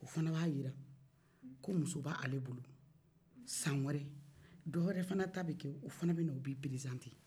o fana b'a jira ko muso b'ale bolo san wɛrɛ dɔ wɛrɛ fana ta bɛ kɛ o fana bɛ na o b'i perezante